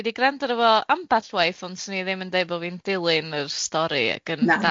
Dwi di gwrando arno fo amball waith, ond swn i ddim yn deud bo' fi'n dilyn yr stori ac yn